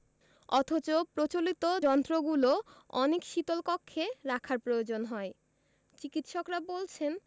অথচ প্রচলিত যন্ত্রগুলো অনেক শীতল কক্ষে রাখার প্রয়োজন হয় চিকিত্সকরা বলছেন